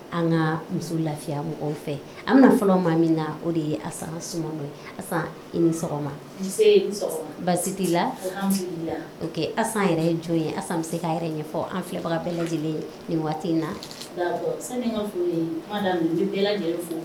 An ka muso lafiya mɔgɔw fɛ an fɔlɔ min na o de ye a i ni baasi la yɛrɛ ye jɔn ye bɛ se' yɛrɛ ɲɛfɔ an filɛbaga bɛɛ lajɛlen nin waati in na